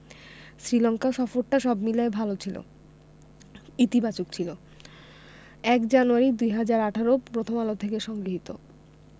শ্রীলঙ্কা সফরটা সব মিলিয়ে ভালো ছিল ইতিবাচক ছিল ০১ জানুয়ারি ২০১৮ প্রথম আলো হতে সংগৃহীত